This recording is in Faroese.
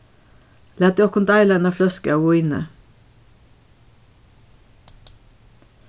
latið okkum deila eina fløsku av víni